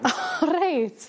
O reit.